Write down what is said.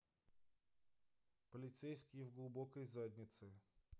полицейские в глубокой заднице